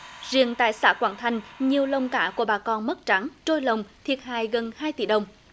riêng tại xã quảng thành nhiều lồng cá của bà con mất trắng trôi lồng thiệt hại gần hai tỷ đồng